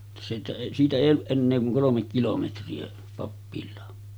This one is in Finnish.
että siitä ei siitä ei ollut enää kuin kolme kilometriä pappilaan